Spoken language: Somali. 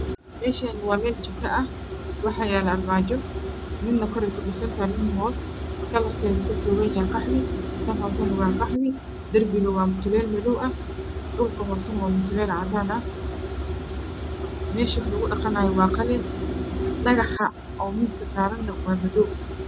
Meeshaan waa meel jiko ah waxaa yaalo armaajo midna koray ku dhisan tahay midna hoos kalarkeedu ka kooban yahay qaxwi tan hoosana waa qaxwi darbiga waa mutuleel madow ah dhulka hoosana waa mutuleel cadaan meesha wax lugu dhaqanayana waa qalin dagax miiska saarana waa madow.